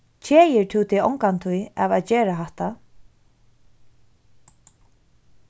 keðir tú teg ongantíð av at gera hatta